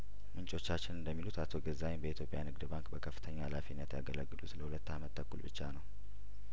ምንጮቻችን እንደሚሉት አቶ ገዛኸኝ በኢትዮጵያ ንግድ ባንክ በከፍተኛ የሀላፊነት ያገለገሉት ለሁለት አመት ተኩል ብቻ ነው